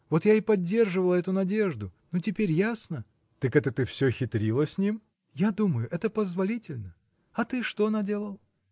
Вот я и поддерживала эту надежду: ну, теперь ясно? – Так это ты все хитрила с ним? – Я думаю, это позволительно. А ты что наделал?